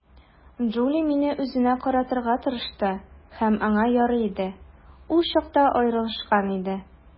Джули мине үзенә каратырга тырышты, һәм аңа ярый иде - ул чакта аерылышкан иде.